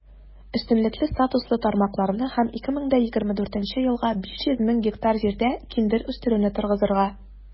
Өстенлекле статуслы тармакларны һәм 2024 елга 500 мең гектар җирдә киндер үстерүне торгызырга.